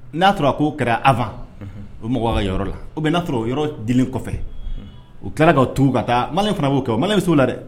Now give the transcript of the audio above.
N'a sɔra a ko kɛra avant n' hun o magala ye yɔrɔla ou bien n'a sɔrɔ O yɔrɔ dilen kɔfɛ o kilala ka tugula ka taa malien fɛnɛ bo kɛ malien bɛ see ola dɛɛ